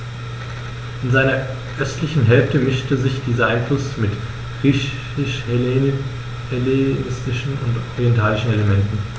In seiner östlichen Hälfte mischte sich dieser Einfluss mit griechisch-hellenistischen und orientalischen Elementen.